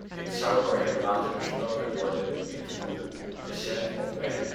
Dit zou door hem later besproken worden in het boek Descent of Man